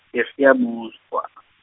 ngeSiyabuswa .